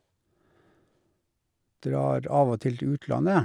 Drar av og til til utlandet.